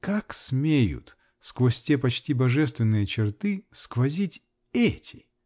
Как смеют сквозь те, почти божественные черты -- сквозить эти?